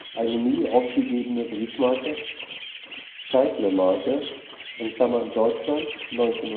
eine nie ausgegebene Briefmarke Gscheidle-Marke (Deutschland – 1980